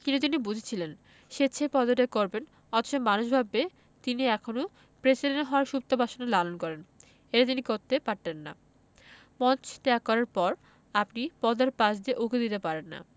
কিন্তু তিনি বুঝেছিলেন স্বেচ্ছায় পদত্যাগ করবেন অথচ মানুষ ভাববে তিনি এখনো প্রেসিডেন্ট হওয়ার সুপ্ত বাসনা লালন করেন এটা তিনি করতে পারেন না মঞ্চ ত্যাগ করার পর আপনি পর্দার পাশ দিয়ে উঁকি দিতে পারেন না